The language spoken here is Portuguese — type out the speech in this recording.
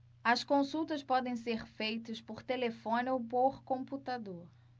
as consultas podem ser feitas por telefone ou por computador